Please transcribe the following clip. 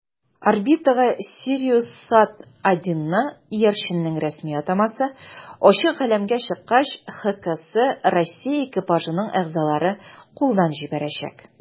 Орбитага "СириусСат-1"ны (иярченнең рәсми атамасы) ачык галәмгә чыккач ХКС Россия экипажының әгъзалары кулдан җибәрәчәк.